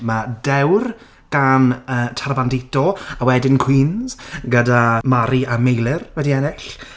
Ma' 'Dewr' gan yy Tara Bandito a wedyn 'Queens' gyda Mari a Meilyr wedi ennill.